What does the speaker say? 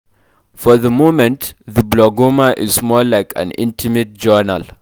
For the moment, the Blogoma is more like an intimate journal.